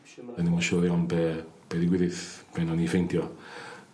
'Yn ni ddim siŵr iawn be' be' ddigwyddith be' nawn ni ffeindio.